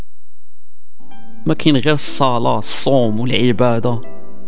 مكينه الصاله الصوم والعباده